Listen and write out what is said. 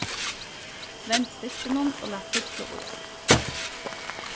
vend stykkinum og lat fyllu í